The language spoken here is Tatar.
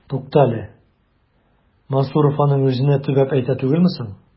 Тукта әле, Мансуров аның үзенә төбәп әйтә түгелме соң? ..